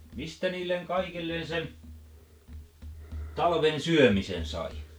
mistä niille kaikelle sen talven syömisen sai